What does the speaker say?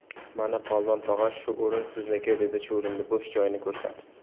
mana polvon tog'a shu o'rin sizniki dedi chuvrindi bo'sh joyni ko'rsatib